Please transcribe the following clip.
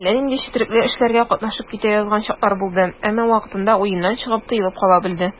Әллә нинди четрекле эшләргә катнашып китә язган чаклары булды, әмма вакытында уеннан чыгып, тыелып кала белде.